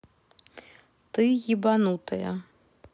ты ебанутая